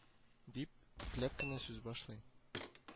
Дип, ипләп кенә сүз башлый